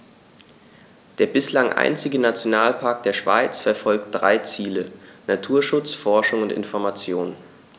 Der bislang einzige Nationalpark der Schweiz verfolgt drei Ziele: Naturschutz, Forschung und Information.